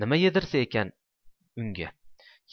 nima yedirsa ekan unga